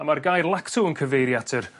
a ma'r gair lacto yn cyfeiri at yr